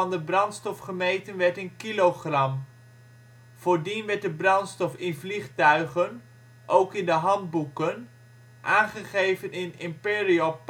de brandstof gemeten werd in kilogram. Voordien werd de brandstof in vliegtuigen (ook in de handboeken) aangegeven in (imperial